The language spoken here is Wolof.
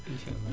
insaa àllaa